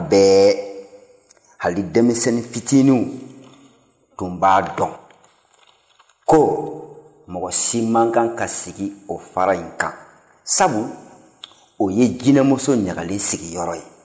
jalakɔrɔka bɛɛ hali denmisɛnnin fitininw tun b'a dɔn ko mɔgɔ si man kan ka sigi o fara in kan sabu o ye jinɛmuso ɲagalen sigiyɔrɔ ye